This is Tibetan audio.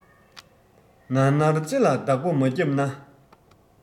ནར ནར ལྕེ ལ བདག པོ མ རྒྱབ ན